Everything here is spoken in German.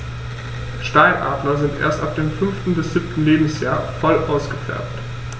Steinadler sind erst ab dem 5. bis 7. Lebensjahr voll ausgefärbt.